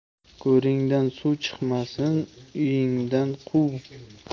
go'ringdan suv chiqmasin uyingdan quv